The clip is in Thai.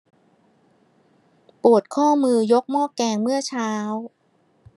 ปวดข้อมือยกหม้อแกงเมื่อเช้า